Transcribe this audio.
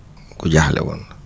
ku jaaxle woon la